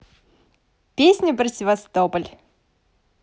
песня про севастополь